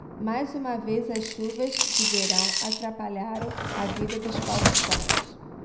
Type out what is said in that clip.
mais uma vez as chuvas de verão atrapalharam a vida dos paulistanos